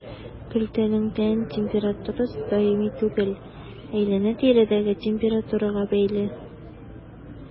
Кәлтәнең тән температурасы даими түгел, әйләнә-тирәдәге температурага бәйле.